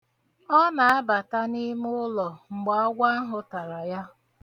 Ọ na-abata n'ime ụlọ mgbe agwọ ahụ tara ya.